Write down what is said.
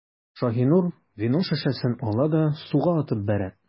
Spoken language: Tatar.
Шаһинур вино шешәсен ала да суга атып бәрә.